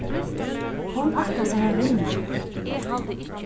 hon ætlar sær at vinna